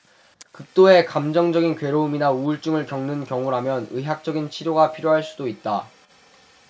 극도의 감정적인 괴로움이나 우울증을 겪는 경우라면 의학적인 치료가 필요할 수도 있다